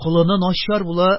Колыны начар була,